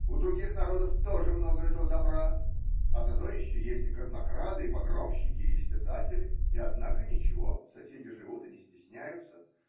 У других народов тоже много этого добра, а зато еще есть и казнокрады, и погромщики, и истязатели, – и, однако ничего, соседи живут и не стесняются.